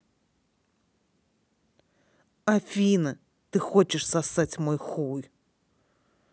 афина ты хочешь сосать мой хуй